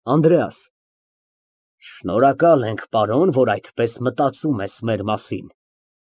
ԱՆԴՐԵԱՍ ֊ Շնորհակալ ենք, պարոն, որ այդպես մտածում ես մեր մասին։